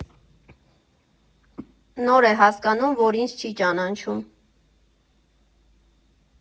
Նոր է հասկանում, որ ինձ չի ճանաչում.